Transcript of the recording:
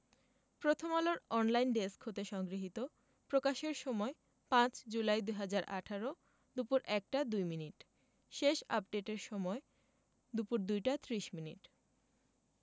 প্রথমআলোর online desk হতে সংগৃহীত প্রকাশের সময় ৫ জুলাই ২০১৮ দুপুর ১টা ২মিনিট শেষ আপডেটের সময় দুপুর ২টা ৩০ মিনিট